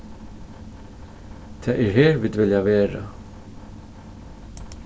tað er her vit vilja vera